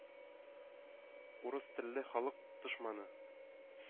«урыс телле халык» дошманы,